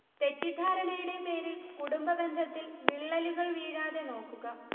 തെറ്റിധാരണയുടെ പേരിൽ കുടുംബബന്ധത്തിൽ വിള്ളലുകൾ വീഴാതെ നോക്കുക